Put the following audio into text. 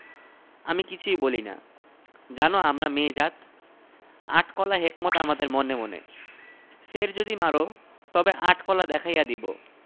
সে চিৎকার করিয়া উঠিল ওরে শয়তানী এমন মাছটা তুই নিজে ব্রাধিয়া খাইয়া আমার জন্য রাখিয়াছিস্ মরিচ পােড়া আর ভাত